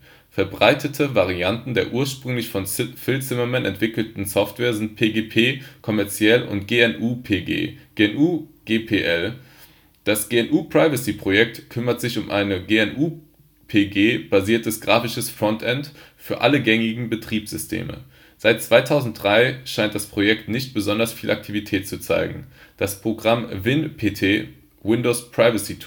Verbreitete Varianten der ursprünglich von Phil Zimmermann entwickelten Software sind PGP (kommerziell) und GnuPG (GNU-GPL). Das GNU Privacy Projekt kümmerte sich um ein auf GnuPG basierendes graphisches Frontend für alle gängigen Betriebssysteme. Seit 2003 scheint das Projekt nicht besonders viel Aktivität zu zeigen. Das Programm WinPT (Windows Privacy Tools